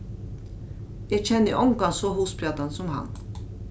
eg kenni ongan so hugspjaddan sum hann